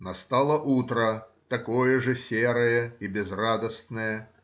Настало утро, такое же серое и безрадостное.